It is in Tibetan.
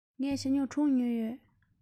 ངས ཞྭ སྨྱུག དྲུག ཉོས ཡོད